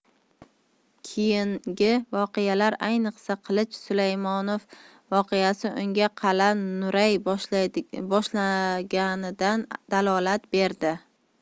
keyingi voqealar ayniqsa qilich sulaymonov voqeasi unga qal'a nuray boshlaganidan dalolat berdi